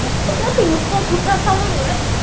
suýt nữa thì ngực tôi thụt ra sau lưng rồi đấy